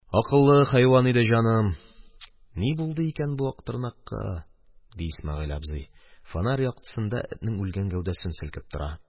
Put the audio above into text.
Акыллы хайван иде, җаным, ни булды икән бу Актырнакка? – ди Исмәгыйль абзый, фонарь яктысында этнең үлгән гәүдәсен селкеп тора.